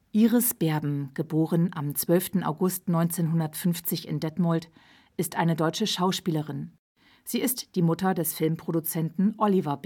Iris Berben (* 12. August 1950 in Detmold) ist eine deutsche Schauspielerin. Sie ist die Mutter des Filmproduzenten Oliver